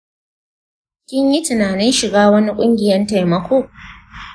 kin yi tinanin shiga wani ƙungiyan taimako?